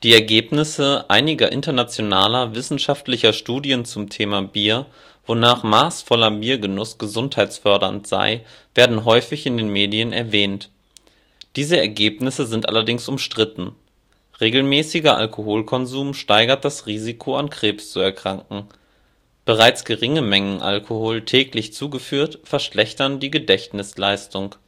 Ergebnisse einiger internationaler wissenschaftlicher Studien zum Thema Bier, wonach maßvoller Biergenuss gesundheitsfördernd sei, werden häufig in den Medien erwähnt. Diese Ergebnisse sind allerdings umstritten. Regelmäßiger Alkoholkonsum steigert das Risiko, an Krebs zu erkranken; bereits geringe Mengen Alkohol, täglich zugeführt, verschlechtern die Gedächtnisleistung